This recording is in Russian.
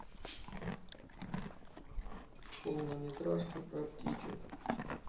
полнометражка про птичек